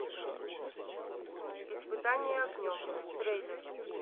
испытание огнем трейлер